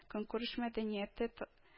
-көнкүреш мәдәнияте”, “та